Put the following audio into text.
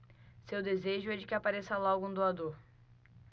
seu desejo é de que apareça logo um doador